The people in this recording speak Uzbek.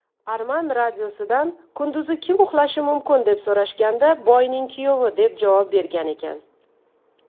arman radiosidan kunduzi kim uxlashi mumkin deb so'rashganda boyning kuyovi deb javob bergan ekan